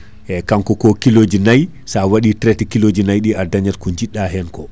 eyyi kanko ko lkiloji nayyi sa waɗi traité kiloji nayyi ɗi a dañat ko jiɗɗa hen ko